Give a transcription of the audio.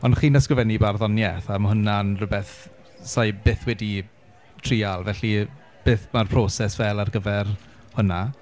Ond chi'n ysgrifennu barddoniaeth, a ma' hwnna'n rywbeth sa i byth wedi trial, felly beth ma'r proses fel ar gyfer hwnna?